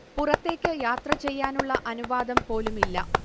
പുറത്തേക്ക് യാത്ര ചെയ്യാനുള്ള അനുവാദം പോലുമില്ല